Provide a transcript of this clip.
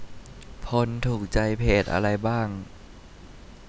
พลถูกใจเพจอะไรบ้าง